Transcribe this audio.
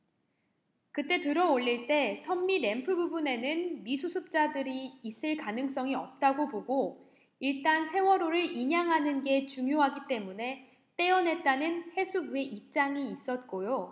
그때 들어올릴 때 선미 램프 부분에는 미수습자들이 있을 가능성이 없다고 보고 일단 세월호를 인양하는 게 중요하기 때문에 떼어냈다는 해수부의 입장이 있었고요